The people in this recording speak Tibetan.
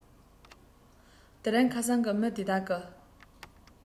དེ རིང ཁ སང གི མི དེ དག གིས